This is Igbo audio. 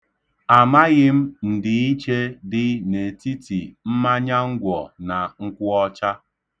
Amaghị m ndiiche dị n'etiti mmanyangwọ na nkwụọcha.